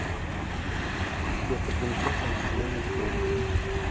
достопримечательности мурманской области